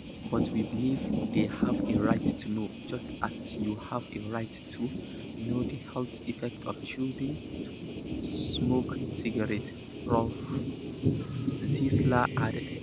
But we believe they have a right to know - just as you have a right to know the health effects of choosing to smoke cigarettes,' Prof Czeisler added.